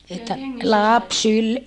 että lapsi -